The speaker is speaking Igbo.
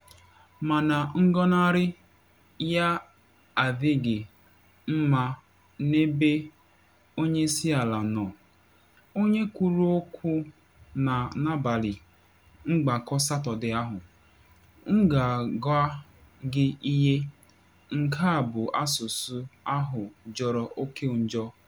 Mana ngọnarị ya adịghị mma n’ebe onye isi ala nọ, onye kwuru okwu na n’abalị mgbakọ Satọde ahụ: “M ga-agwa gị ihe, nke a bụ asụsụ ahụ jọrọ oke njọ.